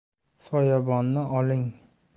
soyabonni oling